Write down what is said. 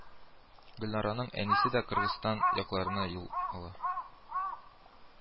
Гөлнараның әнисе дә Кыргызстан якларына юл ала